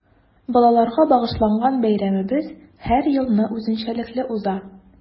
Балаларга багышланган бәйрәмебез һәр елны үзенчәлекле уза.